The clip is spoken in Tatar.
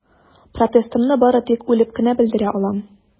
Протестымны бары тик үлеп кенә белдерә алам.